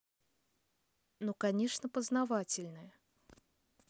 ну конечно познавательная